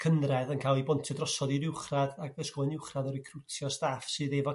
cynradd yn ca'l 'i bontio drosodd i'r uwchradd ag ysgolion uwchradd yn recrwtio staff sydd efo